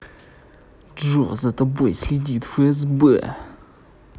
джой за тобой следит фсб